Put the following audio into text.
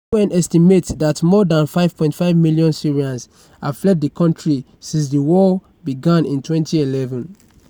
The UN estimates that more than 5.5 million Syrians have fled the country since the war began in 2011.